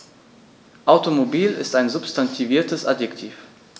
Automobil ist ein substantiviertes Adjektiv.